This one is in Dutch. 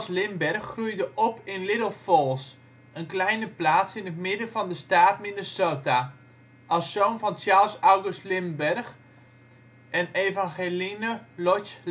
Lindbergh groeide op in Little Falls, een kleine plaats in het midden van de staat Minnesota, als zoon van Charles August Lindbergh en Evangeline Lodge Land